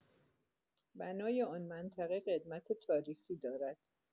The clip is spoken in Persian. بنای آن منطقه قدمت تاریخی دارد